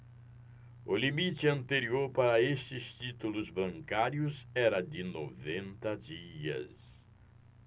o limite anterior para estes títulos bancários era de noventa dias